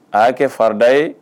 A y'a kɛ farida ye